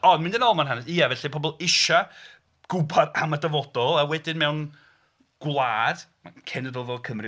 Ond mynd yn ôl mewn hanes... Ia, felly pobl isio gwybod am y dyfodol, a wedyn mewn gwlad, cenedl fel Cymru...